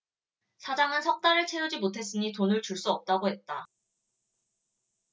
사장은 석 달을 채우지 못했으니 돈을 줄 수 없다고 했다